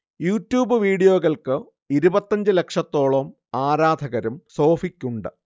YouTube വീഡിയോകൾക്ക് ഇരുപത്തഞ്ചു ലക്ഷത്തോളം ആരാധകരും സോഫിക്കുണ്ട്